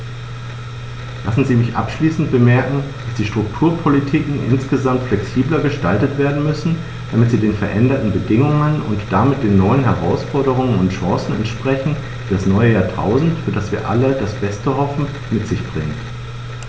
Lassen Sie mich abschließend anmerken, dass die Strukturpolitiken insgesamt flexibler gestaltet werden müssen, damit sie den veränderten Bedingungen und damit den neuen Herausforderungen und Chancen entsprechen, die das neue Jahrtausend, für das wir alle das Beste hoffen, mit sich bringt.